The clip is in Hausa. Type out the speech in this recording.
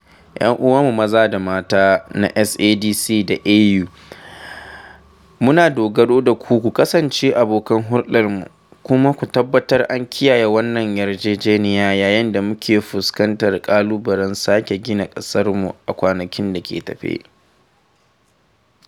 Ƴan’uwa mu maza da mata na SADC da AU, muna dogaro da ku ku kasance abokan hulɗarmu, kuma ku tabbatar an kiyaye wannan yarjejeniya yayin da muke fuskantar ƙalubalen sake gina ƙasarmu a kwanakin da ke tafe.